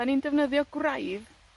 'Dan ni'n defnyddio gwraidd